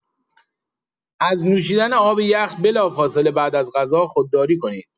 از نوشیدن آب یخ بلافاصله بعد از غذا خودداری کنید.